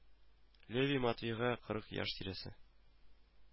Левий Матвейга кырык яшь тирәсе